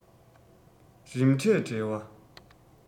རིམ གྲས འབྲེལ བ